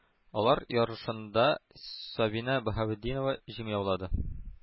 Алар ярышында сабина баһаветдинова җиңү яулады,